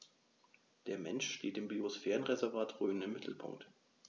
Der Mensch steht im Biosphärenreservat Rhön im Mittelpunkt.